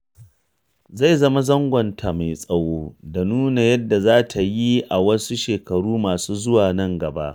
Zai zama zangonta mai tsawo da nuna yadda za ta yi a wasu shekaru masu zuwa nan gaba.